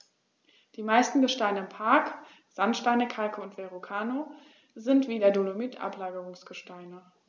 Die meisten Gesteine im Park – Sandsteine, Kalke und Verrucano – sind wie der Dolomit Ablagerungsgesteine.